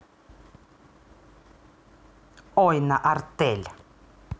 ойна артель